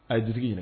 A ye di ye